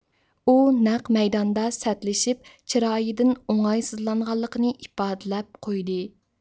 ئۇ نەق مەيداندا سەتلىشىپ چىرايىدىن ئوڭايسىزلانغانلىقىنى ئىپادىلەپ قويدى